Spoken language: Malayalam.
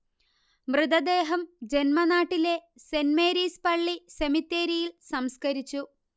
മൃതദേഹം ജന്മനാട്ടിലെ സെന്റ് മേരീസ് പള്ളി സെമിത്തേരിയിൽ സംസ്കരിച്ചു